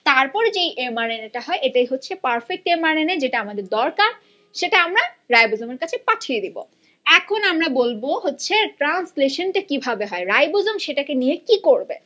তারপর যে M R N A টা হয় এটাই হচ্ছে perfect M R N A যেটা আমাদের দরকার সেটা আমরা রাইবোজোম এর কাছে পাঠিয়ে দিব এখন আমরা বলব হচ্ছে ট্রানসলেশন টা কিভাবে হয় রাইবোজোম সেটাকে নিয়ে কি করবে